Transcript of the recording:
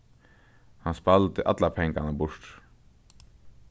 hann spældi allar pengarnar burtur